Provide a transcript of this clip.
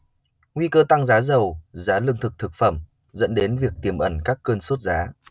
nguy cơ tăng giá dầu giá lương thực thực phẩm dẫn đến việc tiềm ẩn các cơn sốt giá